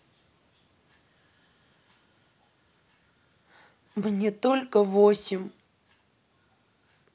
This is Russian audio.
мне только восемь